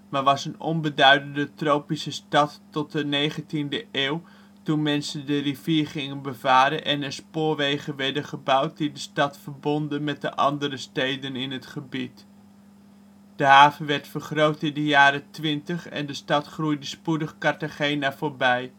was een onbeduidende tropische stad tot de 19e eeuw, toen mensen de rivier gingen bevaren en er spoorwegen werden gebouwd die de stad verbonden met andere steden in het gebied. De haven werd vergroot in de jaren ' 20 en de stad groeide spoedig Cartagena voorbij